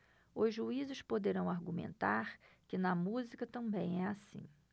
os juízes poderão argumentar que na música também é assim